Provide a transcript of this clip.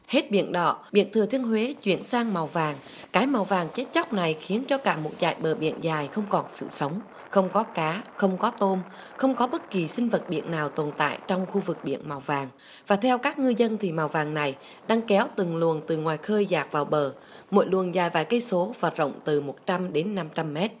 hết biển đỏ biển thừa thiên huế chuyển sang màu vàng cái màu vàng chết chóc này khiến cho cả một dải bờ biển dài không còn sự sống không có cá không có tôm không có bất kỳ sinh vật biển nào tồn tại trong khu vực biển màu vàng và theo các ngư dân thì màu vàng này đang kéo từng luồng từ ngoài khơi dạt vào bờ mọi luồng dài vài cây số hoạt động từ một trăm đến năm trăm mét